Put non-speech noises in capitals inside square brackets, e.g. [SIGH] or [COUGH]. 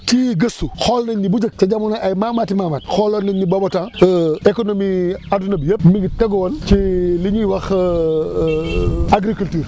ci gëstu xool nañ ni bu njëkk ca jamonoy ay maamaati maamat xooloon nañ ni booba temps [HESITATION] économie [HESITATION] adduna bi yëpp mi ngi tegu woon ci [HESITATION] li ñuy wax [HESITATION] [NOISE] agriculture